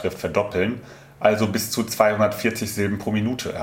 verdoppeln, also bis zu 240 Silben pro Minute